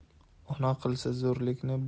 ona qilsa zo'rlikni